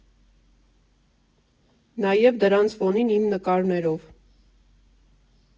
Նաև դրանց ֆոնին իմ նկարներով…